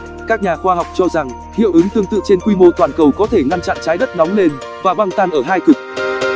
các nhà khoa học cho rằng hiệu ứng tương tự trên quy mô toàn cầu có thể ngăn chặntrái đất nóng lên và băng tan ở hai cực